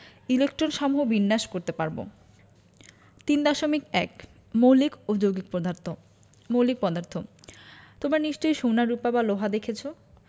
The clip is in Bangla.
ইলেকট্রনসমূহ বিন্যাস করতে পারব ৩.১ মৌলিক ও যৌগিক পদার্থঃ মৌলিক পদার্থ তোমরা নিশ্চয় সোনা রুপা বা লোহা দেখেছ